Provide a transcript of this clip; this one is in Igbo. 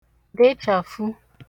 dechàfụ